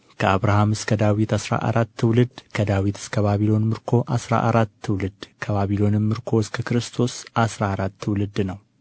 ከአብርሃም እስከ ዳዊት አሥራ አራት ትውልድ ከዳዊትም እስከ ባቢሎን ምርኮ አሥራ አራት ትውልድ ከባቢሎንም ምርኮ እስከ ክርስቶስ አሥራ አራት ትውልድ ነው